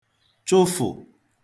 chụfụ̀